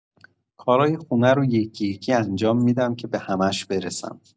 کارای خونه رو یکی‌یکی انجام می‌دم که به همه‌ش برسم.